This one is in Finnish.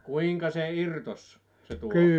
kuinka se irtosi se tuohi